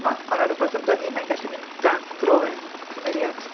M- mae 'na rywbeth amdani. Mae hi'n gallu mynd dan groen cymeriad.